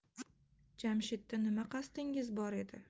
jamshidda nima qasdingiz bor edi